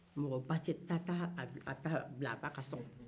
mɔgɔ ba tɛ ta-ta a ta bi-bila a ba ka sokɔnɔ